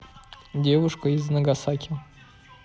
девушка из нагасаки